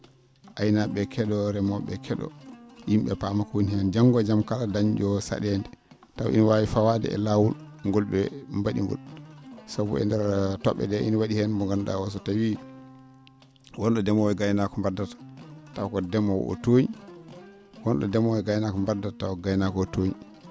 aynaa?e remoo?e ke?oo yim?e paama ko woni heen janngo e jam kala dañ?o o sa?eende taw ina waawi fawaade e laawol ngol ?e mba?i ngol sabu e ndeer to??e ?ee ene wa?i heen mo nganndu?a o so tawii won?o ndemoowo e gaynaako mbaddata taw ko ndemoowo oo tooñi won?o ndemoowo e gaynaako mbaddata taw ko gaynaako oo tooñi